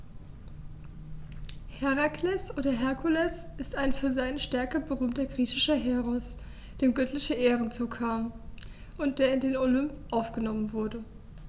Herakles oder Herkules ist ein für seine Stärke berühmter griechischer Heros, dem göttliche Ehren zukamen und der in den Olymp aufgenommen wurde.